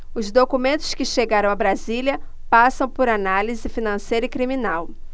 os documentos que chegaram a brasília passam por análise financeira e criminal